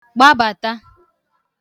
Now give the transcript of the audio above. gbabàta